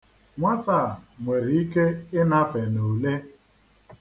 Nwata a nwere ike ịlafe n'ule.